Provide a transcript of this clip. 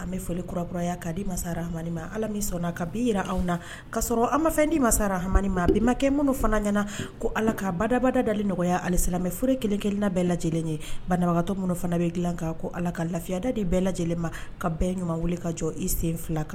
An bɛ fɔ kurakuraya kaa di masara hama ala min sɔnna ka bi jirara anw na kasɔrɔ an ma di masara hamamani ma bɛnbakɛ minnu fana ɲɛnaana ko ala ka ba dabada dali nɔgɔyaya alesamɛoro kelen kelenina bɛɛ lajɛ lajɛlen ye banabagatɔ minnu fana bɛ dilan kan ko ala ka lafiyada de bɛɛ lajɛlen ma ka bɛɛ ɲuman weele ka jɔ i sen fila kan